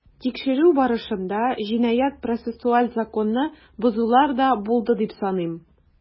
Тикшерү барышында җинаять-процессуаль законны бозулар да булды дип саныйм.